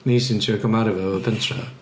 Ni sy'n trio cymharu fo hefo pentre ia.